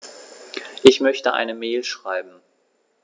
Ich möchte eine Mail schreiben.